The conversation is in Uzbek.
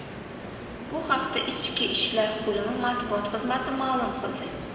bu haqda ichki ishlar bolimi matbuot xizmati ma'lum qildi